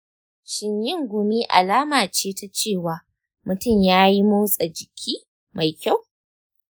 shin yin gumi alama ce ta cewa mutum ya yi motsa jiki mai kyau?